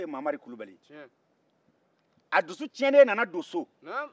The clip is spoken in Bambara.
a dusu tiɲɛnen nana don so